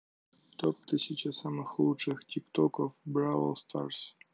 топ тысяча самых лучших тик токов бравл старс